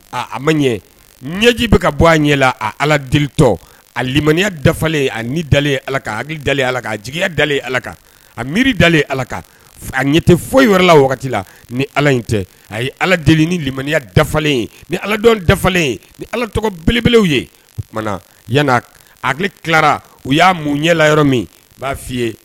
Aaa a ma ɲɛ ɲɛji bɛ ka bɔ a ɲɛ a ala delitɔ a lammaniya dafalen a ni dalen ala ka hakili dalen ala ka a jigiigya dalen ala kan a miiri dalen ala kan a ɲɛ tɛ foyi yɔrɔ la wagati la ni ala in tɛ a ye ala deli ni lammaniya dafalen ni aladɔn dafalen ni alat belebele ye oumana yan a tilara u y'a mun ɲɛla yɔrɔ min u b'a f' ii ye